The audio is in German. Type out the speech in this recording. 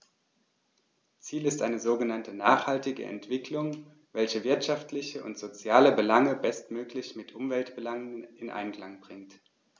Ziel ist eine sogenannte nachhaltige Entwicklung, welche wirtschaftliche und soziale Belange bestmöglich mit Umweltbelangen in Einklang bringt.